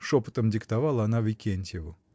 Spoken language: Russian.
— шепотом диктовала она Викентьеву.